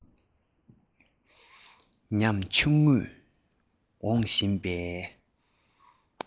ཉམ ཆུང ངུས འོང བཞིན པའི